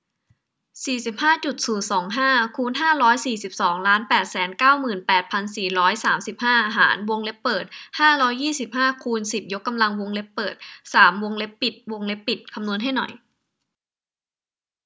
สี่สิบห้าจุดศูนย์สองห้าคูณห้าร้อยสิบสองล้านแปดแสนเก้าหมื่นแปดพันสี่ร้อยสามสิบห้าหารวงเล็บเปิดห้าร้อยยี่สิบห้าคูณสิบยกกำลังวงเล็บเปิดสามวงเล็บปิดวงเล็บปิดคำนวณให้หน่อย